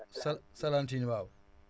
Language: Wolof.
sa Salane Tine waaw